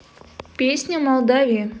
песни молдавии